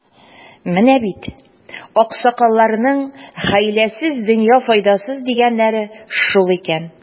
Менә бит, аксакалларның, хәйләсез — дөнья файдасыз, дигәннәре шул икән.